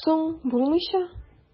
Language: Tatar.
Соң, булмыйча!